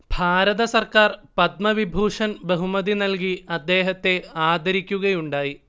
ഭാരത സർക്കാർ പദ്മവിഭൂഷൺ ബഹുമതി നല്കി അദ്ദേഹത്തെ ആദരിയ്ക്കുകയുണ്ടായി